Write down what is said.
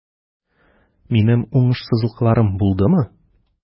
Минем уңышсызлыкларым булдымы?